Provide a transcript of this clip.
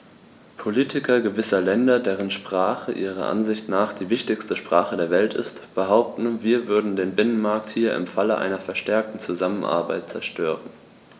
Politiker gewisser Länder, deren Sprache ihrer Ansicht nach die wichtigste Sprache der Welt ist, behaupten, wir würden den Binnenmarkt hier im Falle einer verstärkten Zusammenarbeit zerstören.